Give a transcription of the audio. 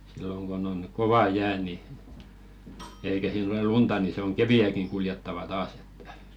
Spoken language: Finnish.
silloin kun on kova jää niin eikä siinä ole lunta niin se on keveäkin kuljettava taas että